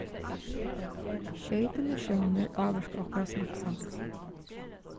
sjey dimensjónir ávirka okkara smakksans